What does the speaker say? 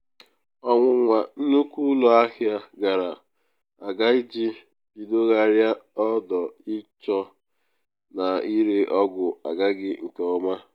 Ọnwụnwa nnukwu ụlọ ahịa gara aga iji bidogharịa ọdụ ịchọ na ịre ọgwụ agaghị nke ọma.